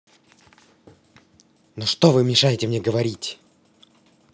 ну что вы мешаете мне говорить